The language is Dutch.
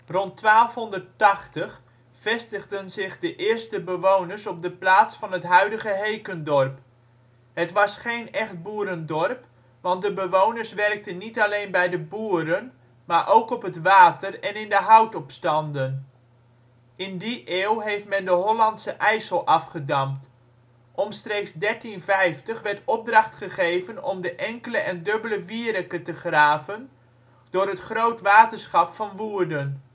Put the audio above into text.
Rond 1280 vestigden zich de eerste bewoners op de plaats van het huidige Hekendorp. Het was geen echt boerendorp, want de bewoners werkten niet alleen bij de boeren, maar ook op het water en in de houtopstanden. In die eeuw heeft men de Hollandse IJssel afgedamd. Omstreeks 1350 werd opdracht gegeven om de Enkele en Dubbele Wiericke te graven door het Groot Waterschap van Woerden